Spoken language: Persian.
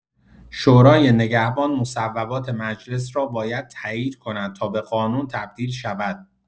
شورای نگهبان مصوبات مجلس را باید تایید کند تا به قانون تبدیل شود.